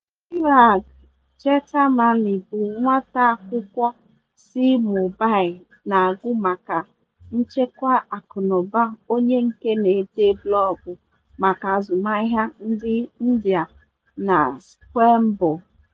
Chirag Jethmalani bụ nwata akwụkwọ si Mumbai na-agụ maka nchịkwa akụnaụba onye nke na-ede blọọgụ maka azụmụahịa ndị India na Squamble.